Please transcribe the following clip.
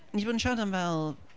Ni 'di bod yn siarad am fel...